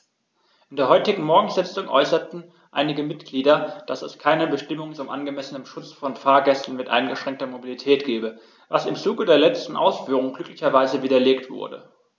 In der heutigen Morgensitzung äußerten einige Mitglieder, dass es keine Bestimmung zum angemessenen Schutz von Fahrgästen mit eingeschränkter Mobilität gebe, was im Zuge der letzten Ausführungen glücklicherweise widerlegt wurde.